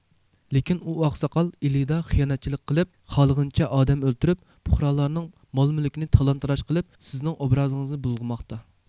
لېكىن ئۇ ئاقساقال ئىلىدا خىيانەتچىلىك قىلىپ خالىغىنىچە ئادەم ئۆلتۈرۈپ پۇقرالارنىڭ مال مۈلكىنى تالان تاراج قىلىپ سىزنىڭ ئوبرازىڭىزنى بۇلغىماقتا